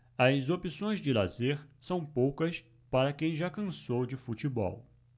as opções de lazer são poucas para quem já cansou de futebol